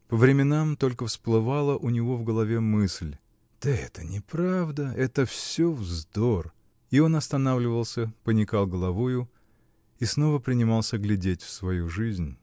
По временам только всплывала у него в голове мысль: "Да это неправда, это все вздор", -- и он останавливался, поникал головою и снова принимался глядеть в свою жизнь.